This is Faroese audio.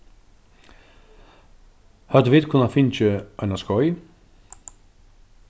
høvdu vit kunnað fingið eina skeið